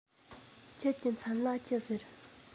ཁྱེད ཀྱི མཚན ལ ཅི ཟེར